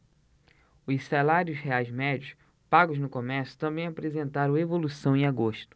os salários reais médios pagos no comércio também apresentaram evolução em agosto